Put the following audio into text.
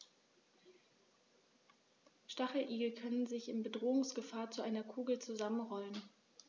Stacheligel können sich im Bedrohungsfall zu einer Kugel zusammenrollen.